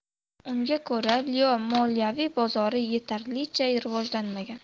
unga ko'ra yeoii moliyaviy bozori yetarlicha rivojlanmagan